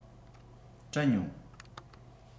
དྲན མྱོང